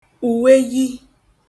ùweyi